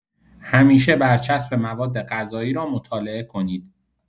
همیشه برچسب موادغذایی را مطالعه کنید.